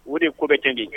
O de ko bɛ tiɲɛ di